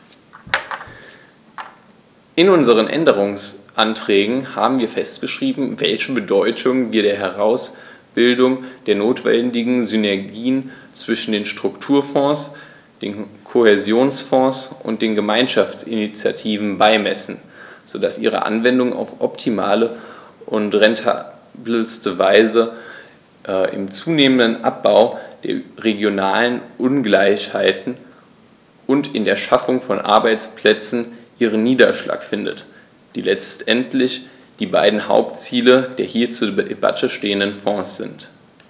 In unseren Änderungsanträgen haben wir festgeschrieben, welche Bedeutung wir der Herausbildung der notwendigen Synergien zwischen den Strukturfonds, dem Kohäsionsfonds und den Gemeinschaftsinitiativen beimessen, so dass ihre Anwendung auf optimale und rentabelste Weise im zunehmenden Abbau der regionalen Ungleichheiten und in der Schaffung von Arbeitsplätzen ihren Niederschlag findet, die letztendlich die beiden Hauptziele der hier zur Debatte stehenden Fonds sind.